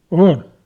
on